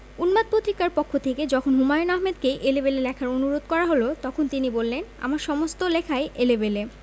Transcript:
উন্মাদ পত্রিকার পক্ষথেকে যখন হুমায়ন আহমেদকে এলেবেলে লেখার অনুরোধে করা হল তখন তিনি বললেন আমার সমস্ত লেখাই এলেবেলে